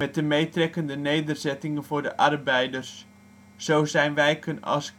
de meetrekkende nederzettingen voor de arbeiders. Zo zijn wijken als